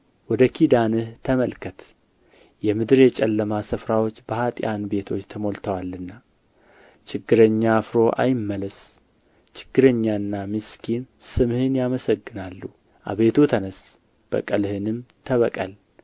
ወደ ኪዳንህ ተመልከት የምድር የጨለማ ስፍራዎች በኅጥኣን ቤቶች ተሞልተዋልና ችግረኛ አፍሮ አይመለስ ችግረኛና ምስኪን ስምህን ያመሰግናሉ አቤቱ ተነሥ በቀልህንም ተበቀል